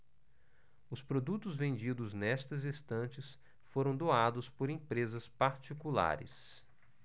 os produtos vendidos nestas estantes foram doados por empresas particulares